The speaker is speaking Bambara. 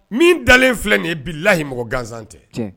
Min dalen filɛ nin yelayi mɔgɔ gansan tɛ